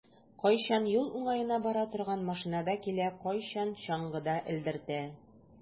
Кайчан юл уңаена бара торган машинада килә, кайчан чаңгыда элдертә.